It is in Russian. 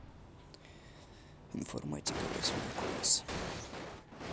информатика восьмой класс